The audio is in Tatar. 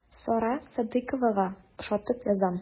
Сара Садыйковага ошатып язам.